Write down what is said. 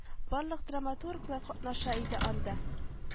Барлык драматурглар катнаша иде анда